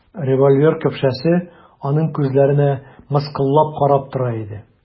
Револьвер көпшәсе аның күзләренә мыскыллап карап тора иде.